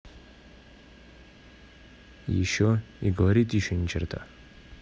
еще и говорит еще ни черта